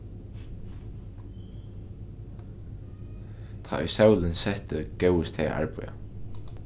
tá ið sólin setti góvust tey at arbeiða